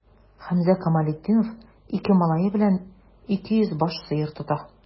Хәмзә Камалетдинов ике малае белән 200 баш сыер тота.